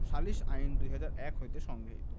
সালিস আইন ২০০১ হতে সংগৃহীত